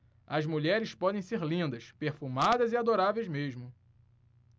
as mulheres podem ser lindas perfumadas e adoráveis mesmo